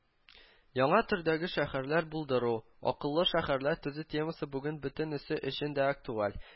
Яңа төрдәге шәһәрләр булдыру, “акыллы шәһәрләр” төзү темасы бүген бөтенесе өчен дә актуаль